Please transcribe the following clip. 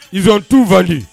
Ison t'ubali